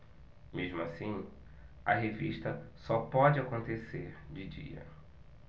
mesmo assim a revista só pode acontecer de dia